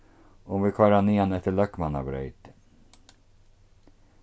um vit koyra niðan eftir løgmannabreyt